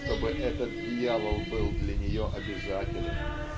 чтобы этот дьявол был для нее обязателен.